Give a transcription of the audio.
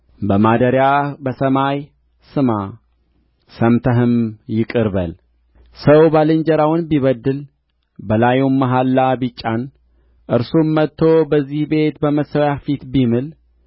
በማደሪያህ በሰማይ ስማ ሰምተህም ይቅር በል ሰው ባልንጀራውን ቢበድል በላዩም መሐላ ቢጫን እርሱም መጥቶ በዚህ ቤት በመሠዊያህ ፊት ቢምል